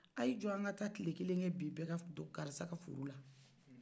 a yi jɔ an ka taa kile kelen kɛ bi karissa foro la